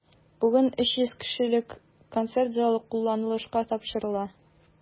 Бүген 300 кешелек концерт залы кулланылышка тапшырыла.